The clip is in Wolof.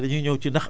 loolu am na solo